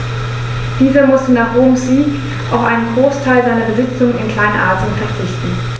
Dieser musste nach Roms Sieg auf einen Großteil seiner Besitzungen in Kleinasien verzichten.